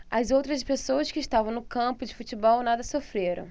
as outras pessoas que estavam no campo de futebol nada sofreram